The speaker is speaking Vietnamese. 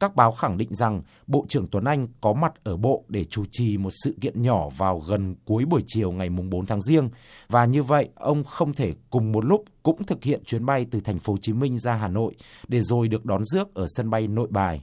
các báo khẳng định rằng bộ trưởng tuấn anh có mặt ở bộ để chủ trì một sự kiện nhỏ vào gần cuối buổi chiều ngày mùng bốn tháng giêng và như vậy ông không thể cùng một lúc cũng thực hiện chuyến bay từ thành phố chí minh ra hà nội để rồi được đón rước ở sân bay nội bài